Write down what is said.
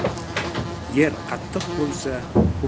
yer qattiq bo'lsa